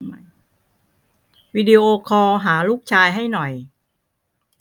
วิดีโอคอลหาลูกชายให้หน่อย